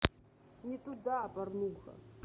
не туда порнуха